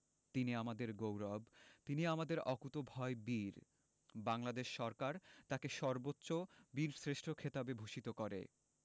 তিনি আমাদের গৌরব তিনি আমাদের অকুতোভয় বীর বাংলাদেশ সরকার তাঁকে সর্বোচ্চ বীরশ্রেষ্ঠ খেতাবে ভূষিত করে